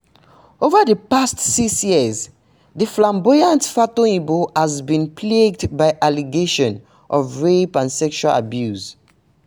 Over the past six years, the flamboyant Fatoyinbo has been plagued by allegations of rape and sexual abuse.